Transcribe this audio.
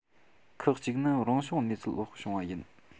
ཁག ཅིག ནི རང བྱུང གནས ཚུལ འོག བྱུང བ ཡིན